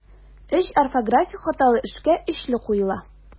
Өч орфографик хаталы эшкә өчле куела.